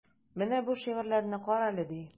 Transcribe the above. Менә бу шигырьләрне карале, ди.